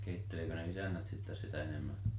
keittelikö ne isännät sitten sitä enemmän